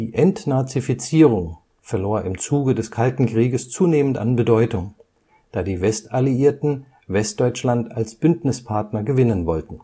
Entnazifizierung verlor im Zuge des Kalten Krieges zunehmend an Bedeutung, da die Westalliierten Westdeutschland als Bündnispartner gewinnen wollten